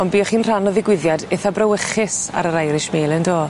On' buo chi'n rhan o ddigwyddiad itha brawychus ar yr Irish Mail yn do?